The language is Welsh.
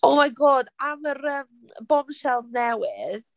Oh my god am yr yym bombshells newydd...